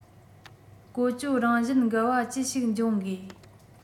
བཀོལ སྤྱོད རང བཞིན འགལ བ ཅི ཞིག འབྱུང དགོས